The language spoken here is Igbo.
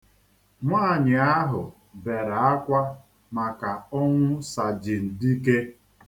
Nwaanyị ahụ bere akwa maka ọnwụ sajin Dike.